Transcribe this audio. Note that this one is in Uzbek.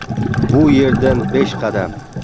bu yerdan besh qadam